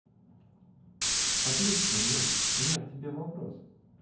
отлично джой у меня к тебе вопрос